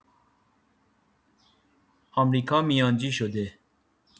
آمریکا میانجی شده